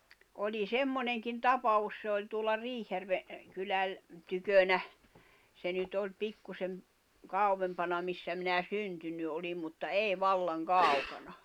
oli semmoinenkin tapaus se oli tuolla Riihijärven kylän tykönä se nyt oli pikkuisen kauempana missä minä syntynyt olin mutta ei vallan kaukana